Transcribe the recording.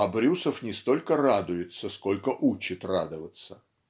А Брюсов не столько радуется, сколько учит радоваться.